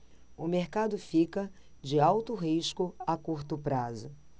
o mercado fica de alto risco a curto prazo